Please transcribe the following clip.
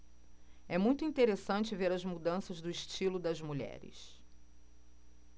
é muito interessante ver as mudanças do estilo das mulheres